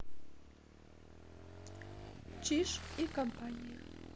чиж и компания